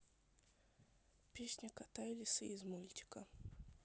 песня кота и лисы из мультика